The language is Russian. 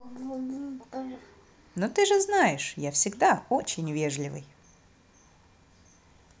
ну ты же знаешь я всегда очень вежливый